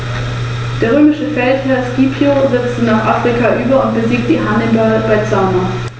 Das rhöntypische offene, strukturreiche Grünland mit hoher Biotopwertigkeit fällt größtenteils in die Pflegezone.